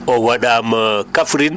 o waɗama Kafrine